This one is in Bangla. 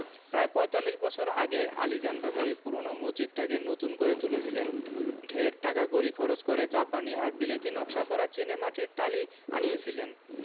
প্রায় পঁয়তাল্লিশ বছর আগে আলীজান ব্যাপারী পূরোনো মসজিদটাকে নতুন করে তুলেছিলেন ঢের টাকাকড়ি খরচ করে জাপানি আর বিলেতী নকশা করা চীনেমাটির টালি আনিয়েছিলেন